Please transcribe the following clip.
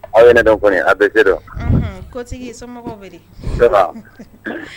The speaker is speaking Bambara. Aw ye ne dɔn kɔni ABC don, unhun, kotigi somɔgɔw bɛ di, ça va